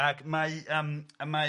Ac mae yym a mae